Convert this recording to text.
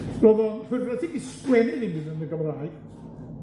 Rodd o'n i sgwennu ddim byd yn y Gymraeg,